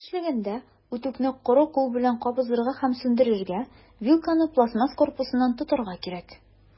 Эшләгәндә, үтүкне коры кул белән кабызырга һәм сүндерергә, вилканы пластмасс корпусыннан тотарга кирәк.